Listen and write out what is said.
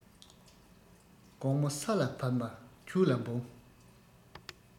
དགོངས མོ ས ལ བབས ལ ཆོས ལ འབུངས